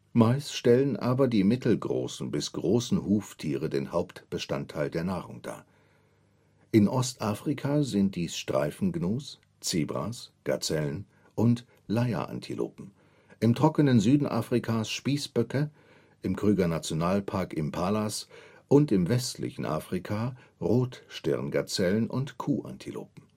Meist stellen aber die mittelgroßen bis großen Huftiere den Hauptbestandteil der Nahrung dar. In Ostafrika sind dies Streifengnus, Zebras, Gazellen und Leierantilopen; im trockenen Süden Afrikas Spießböcke; im Krüger-Nationalpark Impalas und im westlichen Afrika Rotstirngazellen und Kuhantilopen